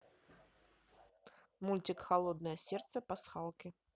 мультик холодное сердце пасхалки